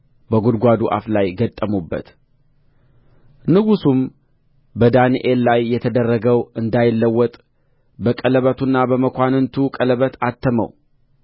በጕድጓዱ አፍ ላይ ገጠሙበት ንጉሡም በዳንኤል ላይ የተደረገው እንዳይለወጥ በቀለበቱና በመኳንንቱ ቀለበት አተመው